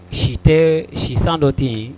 Si tɛ sisan dɔ tɛ yen